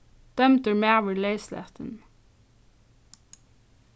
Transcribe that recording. dømdur maður leyslatin